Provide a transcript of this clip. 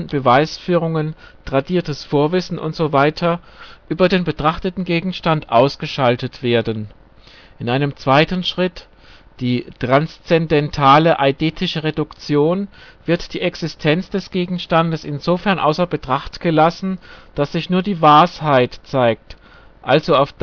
Beweisführungen, tradiertes Vorwissen...) über den betrachteten Gegenstand ausgeschaltet werden. In einem zweiten Schritt (die transzendentale eidetische Reduktion) wird die Existenz des Gegenstandes insofern außer Betracht gelassen, dass sich nur die " Washeit " zeigt, also auf